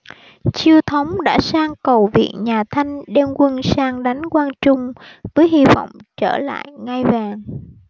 chiêu thống đã sang cầu viện nhà thanh đem quân sang đánh quang trung với hy vọng trở lại ngai vàng